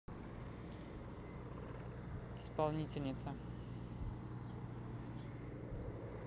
исполнительница